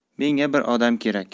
menga bir odam kerak